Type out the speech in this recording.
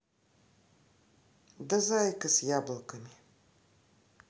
да зайка с яблоками